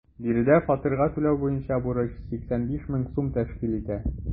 Биредә фатирга түләү буенча бурыч 85 мең сум тәшкил итә.